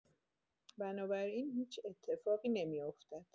بنابراین هیچ اتفاقی نمی‌افتد.